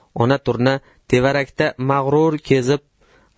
ota turna tevarakda mag'rur kezib